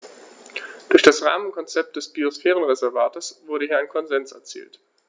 Durch das Rahmenkonzept des Biosphärenreservates wurde hier ein Konsens erzielt.